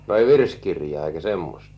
no ei virsikirjaa eikä semmoista